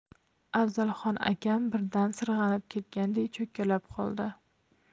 afzalxon akam birdan sirg'anib ketgandek cho'kkalab qoldi